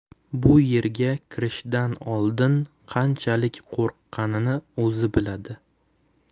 bu yerga kirishdan oldin qanchalik qo'rqqanini o'zi biladi